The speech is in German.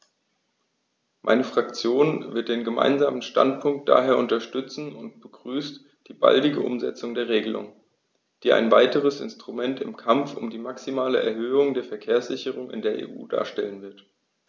Meine Fraktion wird den Gemeinsamen Standpunkt daher unterstützen und begrüßt die baldige Umsetzung der Regelung, die ein weiteres Instrument im Kampf um die maximale Erhöhung der Verkehrssicherheit in der EU darstellen wird.